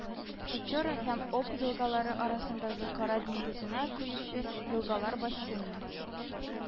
Печора һәм Об елгалары арасындагы, Кара диңгезенә коючы, елгалар бассейны